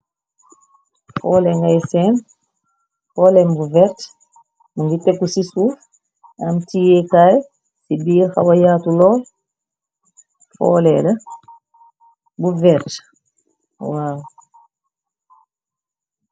Foole ngay seen, foolen bu verge, mu ngi tekku ci suuf, am ciyéekaay, ci diir xawa yaatu lool, foolela bu verge waaw.